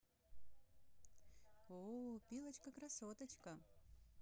ооо пилочка красотка